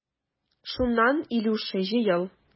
Шуннан, Илюша, җыел.